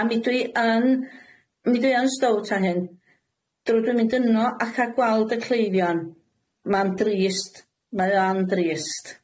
A mi dwi yn- mi dwi yn stowt ar hyn. Drw ga'l mynd yno a ca'l gweld y cleifion, ma'n drist, mae o yn drist.